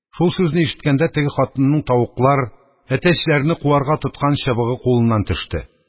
Шул сүзне ишеткәндә, теге хатынның тавыклар, әтәчләрне куарга тоткан чыбыгы кулыннан төште.